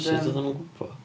Sut oedden nhw'n gwybod?